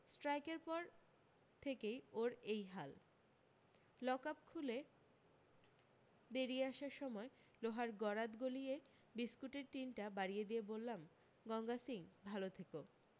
স্ট্রাইকের পর থেকেই ওর এই হাল লক আপ খুলে বেরিয়ে আসার সময় লোহার গরাদ গলিয়ে বিস্কুটের টিনটা বাড়িয়ে দিয়ে বললাম গঙ্গা সিং ভাল থেক